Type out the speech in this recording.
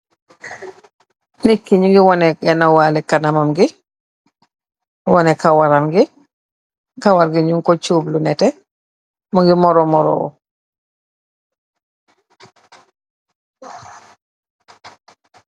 Niik ki nu gi wone genowale kanamamgi wone rkawar gi nyun ko chublu nete mgi moro morowo.